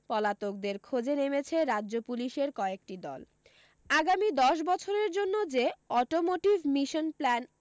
পলাতকদের খোঁজে নেমেছে রাজ্য পুলিশের কয়েকটি দল আগামী দশ বছরের জন্য যে অটোমোটিভ মিশন প্ল্যান